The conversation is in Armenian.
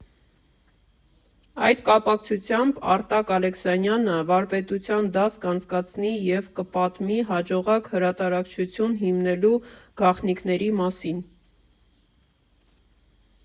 Այդ կապակցությամբ Արտակ Ալեքսանյանը վարպետության դաս կանցկացնի և կպատմի հաջողակ հրատարակչություն հիմնելու գաղտնիքների մասին։